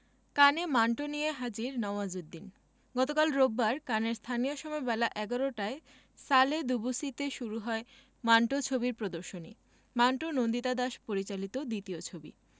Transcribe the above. কানে মান্টো নিয়ে হাজির নওয়াজুদ্দিন গতকাল রোববার কানের স্থানীয় সময় বেলা ১১টায় সালে দুবুসিতে শুরু হয় মান্টো ছবির প্রদর্শনী মান্টো নন্দিতা দাস পরিচালিত দ্বিতীয় ছবি